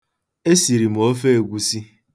Esiri m ofe egwusi.